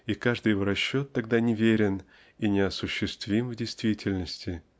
и каждый его расчет тогда неверен и неосуществим в действительности